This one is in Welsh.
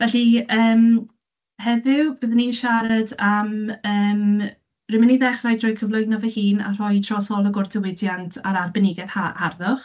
Felly, yym, heddiw byddwn i'n siarad am, yym, rwy'n mynd i ddechrau drwy cyflwyno fy hun a rhoi trosolwg o'r diwydiant a'r arbenigedd ha- harddwch.